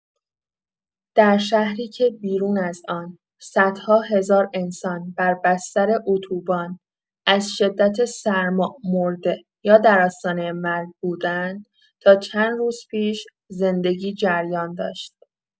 در شهری که بیرون از آن، صدها هزار انسان بر بستر اتوبان، از شدت سرما مرده یا در آستانه مرگ بودند، تا چند روز پیش زندگی جریان داشت.